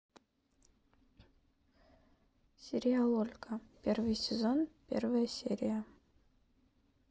сериал ольга первый сезон первая серия